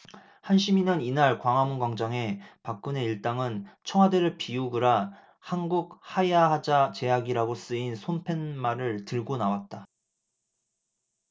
한 시민은 이날 광화문광장에 박근혜 일당은 청와대를 비우그라 한국하야하자 제약이라고 쓰인 손팻말을 들고 나왔다